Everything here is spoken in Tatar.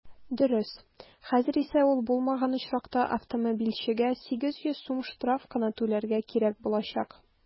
Дөрес, хәзер исә ул булмаган очракта автомобильчегә 800 сум штраф кына түләргә кирәк булачак.